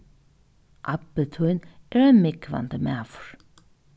abbi tín er ein múgvandi maður